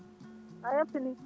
a heptini